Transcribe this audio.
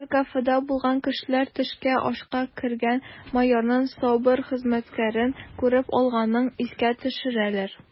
Бер кафеда булган кешеләр төшке ашка кергән майорның СОБР хезмәткәрен күреп алганын искә төшерәләр: